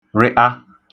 -rị'a